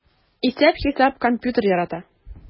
Исәп-хисап, компьютер ярата...